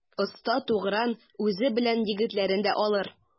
Оста Тугран үзе белән егетләрен дә алыр.